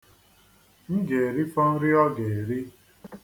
M ga-erifọ nri ọ ga-eri.